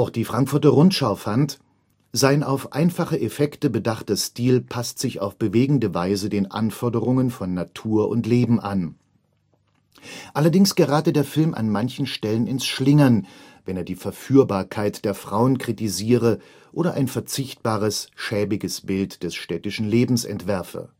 die Frankfurter Rundschau fand, „ sein auf einfache Effekte bedachter Stil passt sich auf bewegende Weise den Anforderungen von Natur und Leben an. “Allerdings gerate der Film an manchen Stellen ins Schlingern, wenn er die Verführbarkeit der Frauen kritisiere oder ein verzichtbares schäbiges Bild des städtischen Lebens entwerfe